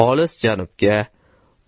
olis janubga